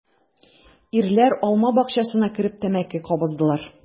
Ирләр алма бакчасына кереп тәмәке кабыздылар.